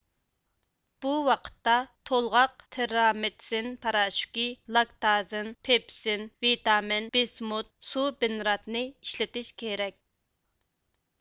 بۇ ۋاقىتتا تولغاق تېررامىتسىن پاراشوكى لاكتازىن پېپسىن ۋىتامىن بىسمۇت سۇ بىنراتنى ئىشلىتىش كېرەك